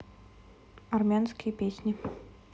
армянские песни